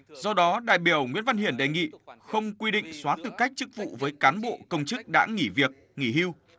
do đó đại biểu nguyễn văn hiển đề nghị không quy định xóa tư cách chức vụ với cán bộ công chức đã nghỉ việc nghỉ hưu